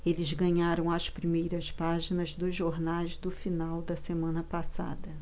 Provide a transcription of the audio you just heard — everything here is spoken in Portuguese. eles ganharam as primeiras páginas dos jornais do final da semana passada